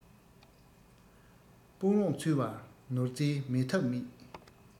དཔུང རོགས འཚོལ བར ནོར རྫས མེད ཐབས མེད